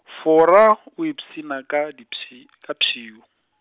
Fora o ipshina ka dipshi- , ka pshio.